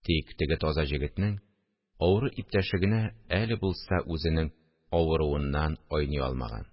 Тик теге таза җегетнең авыру иптәше генә әле булса үзенең авыруыннан айный алмаган